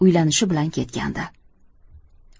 uylanishi bilan ketgandi